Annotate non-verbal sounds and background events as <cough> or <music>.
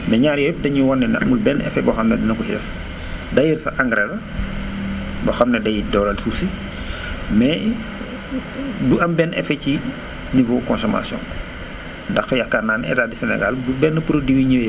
ne ñaar yëpp dañ ni woon ne amul benn effet boo xam ne dina ko ci def <noise> d' ailleurs sax engrais la <noise> boo xam ne day dooleel suuf si <noise> mais <noise> du am benn effet ci <noise> niveau consommation <noise> ndax yaakaar ne Etat du Sénégal bu benn produit ñëwee